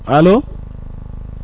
allo